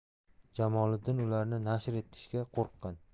jamoliddin ularni nashr etishga qo'rqqan